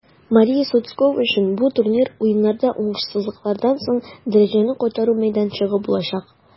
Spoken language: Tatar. Мария Сотскова өчен бу турнир Уеннарда уңышсызлыклардан соң дәрәҗәне кайтару мәйданчыгы булачак.